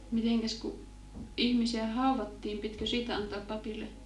mitenkäs kun ihmisiä haudattiin pitikö siitä antaa papille